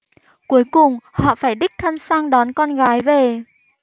cuối cùng họ phải đích thân sang đón con gái về